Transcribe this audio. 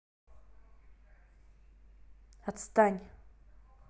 отстань